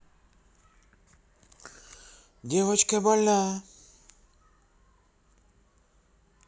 песня девочка больна